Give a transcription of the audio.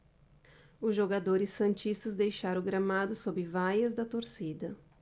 os jogadores santistas deixaram o gramado sob vaias da torcida